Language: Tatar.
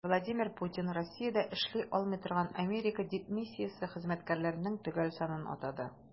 Владимир Путин Россиядә эшли алмый торган Америка дипмиссиясе хезмәткәрләренең төгәл санын атады.